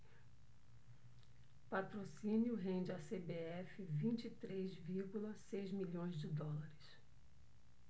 patrocínio rende à cbf vinte e três vírgula seis milhões de dólares